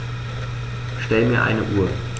Stell mir eine Uhr.